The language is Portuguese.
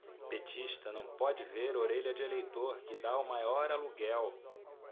petista não pode ver orelha de eleitor que tá o maior aluguel